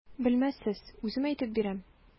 Белмәссез, үзем әйтеп бирәм.